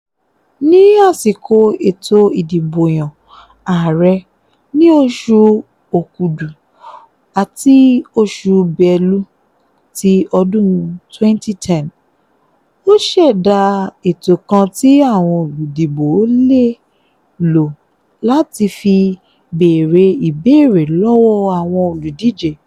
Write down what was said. Ní àsìkò ètò ìdìbòyàn ààrẹ ní oṣù Òkudù àti oṣù Belu ti ọdún 2010, ó ṣẹ̀dá ètò kan tí àwọn olùdìbò lè lò láti fi bèèrè ìbéèrè lọ́wọ́ àwọn olùdíje.